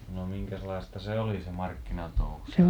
no minkäslaista se oli se markkinatouhu siellä